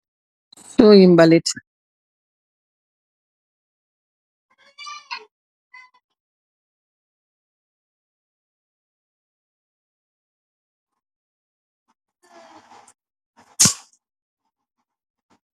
Siwoohi balit